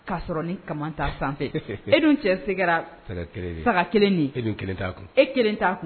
K'a sɔrɔ ni kaman t'a san fɛ, e dun cɛ se kɛra saga 1 de ye , saga 1 de ye, e dun kelen t'a kun, e kelen t'a kun.